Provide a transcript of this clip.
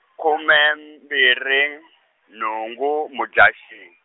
khume mbirhi, nhungu Mudyaxihi.